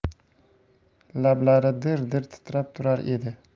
lablari dir dir titrab turar edi